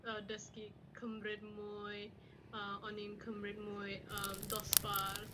o dysgu cymryd mwy, a o'n i'n cymryd mwy yym dosbarth